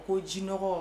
Ko jinɔgɔ